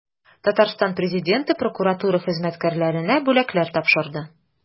Татарстан Президенты прокуратура хезмәткәрләренә бүләкләр тапшырды.